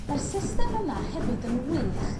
Ma'r system yma hefyd yn wych